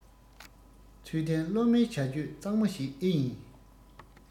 ཚུལ ལྡན སློབ མའི བྱ སྤྱོད གཙང མ ཞིག ཨེ ཡིན